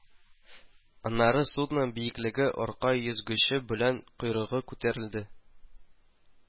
Аннары судно биеклеге арка йөзгече белән койрыгы күтәрелде